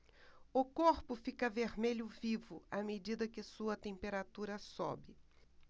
o corpo fica vermelho vivo à medida que sua temperatura sobe